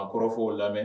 A kɔrɔ fɔ'o lamɛn